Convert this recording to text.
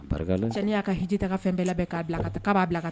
Barika Ala, cɛnin y'a ka Hiji taga fɛn bɛɛ labɛn ka b'a bila ka taa